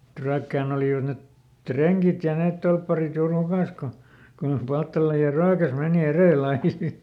että Ryökkään olivat ne rengit ja ne torpparit juuri hukassa kun kun jo Palttala ja Ryökäs meni edellä aina sitten